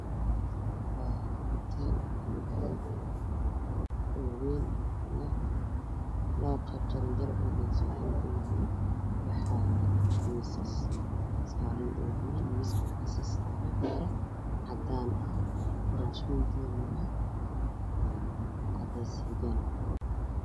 meeshan waa hutaal weyn ac